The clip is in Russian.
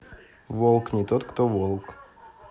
волк не тот кто волк